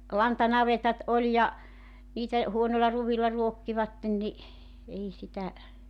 lantanavetat oli ja niitä huonoilla ruoilla ruokkivat niin ei sitä